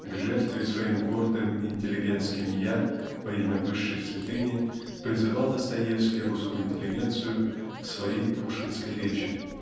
к жертве своим гордым интеллигентским "я" во имя высшей святыни призывал Достоевский русскую интеллигенцию в своей пушкинской речи